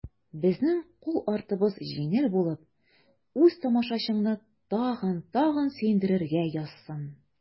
Безнең кул артыбыз җиңел булып, үз тамашачыңны тагын-тагын сөендерергә язсын.